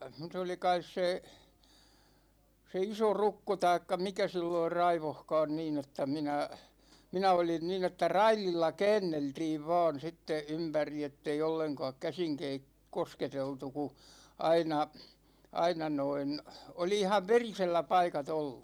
se oli kai se se isorokko tai mikä silloin raivosikaan niin että minä minä olin niin että raidilla käänneltiin vain sitten ympäri että ei ollenkaan käsin - kosketeltu kun aina aina noin oli ihan verisellä paikat ollut